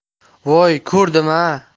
voy ko'rdim a